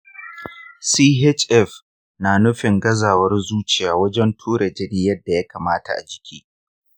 chf na nufin gazawar zuciya wajen tura jini yadda ya kamata a jiki.